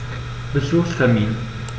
Besuchstermin